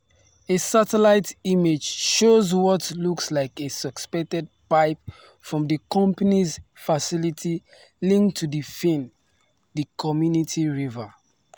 A satellite image shows what looks like a suspected pipe from the company’s facility linked to Feeane, the community river.